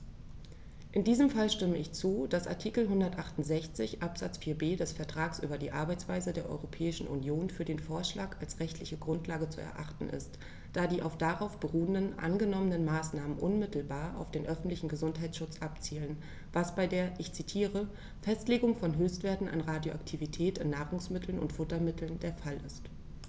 In diesem Fall stimme ich zu, dass Artikel 168 Absatz 4b des Vertrags über die Arbeitsweise der Europäischen Union für den Vorschlag als rechtliche Grundlage zu erachten ist, da die auf darauf beruhenden angenommenen Maßnahmen unmittelbar auf den öffentlichen Gesundheitsschutz abzielen, was bei der - ich zitiere - "Festlegung von Höchstwerten an Radioaktivität in Nahrungsmitteln und Futtermitteln" der Fall ist.